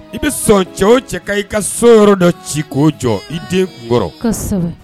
I bɛ sɔn cɛw o cɛ ka i ka so yɔrɔ dɔ ci k'o jɔ i den n kɔrɔ